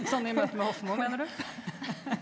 sånn i møte med Hofmo mener du?